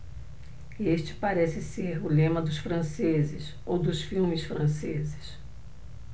este parece ser o lema dos franceses ou dos filmes franceses